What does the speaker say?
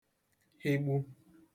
hịgbu